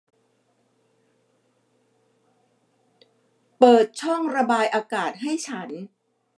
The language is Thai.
เปิดช่องระบายอากาศให้ฉัน